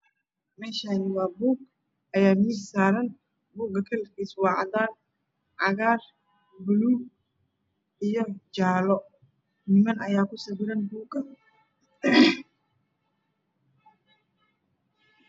Meshani waa buug ee miis saean buga kalarkiisu waa cadan cagar buluug iyo jalo niman ayaa ku sawiran buuga